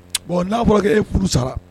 Bon n'a fɔra' e kuru sara